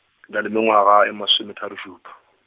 ke na le mengwaga e masometharo šupa.